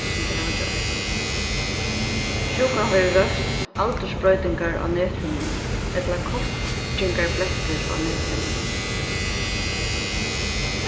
sum tær hava gjørt sjúkan verður rópt aldursbroytingar á nethinnuni ella kálkingarblettir á nethinnuni